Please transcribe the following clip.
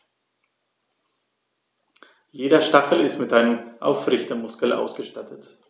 Jeder Stachel ist mit einem Aufrichtemuskel ausgestattet.